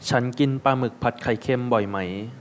ฉันกินปลาหมึกผัดไข่เค็มบ่อยไหม